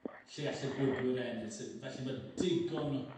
lle all y gwibwyr ennill se- felly ma' digon o